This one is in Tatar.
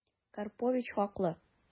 Карпович хаклы...